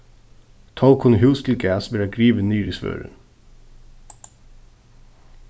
tó kunnu hús til gæs vera grivin niður í svørðin